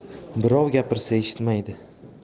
birov gapirsa eshitmaydi